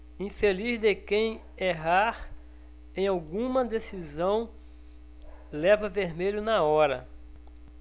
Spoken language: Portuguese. infeliz de quem errar em alguma decisão leva vermelho na hora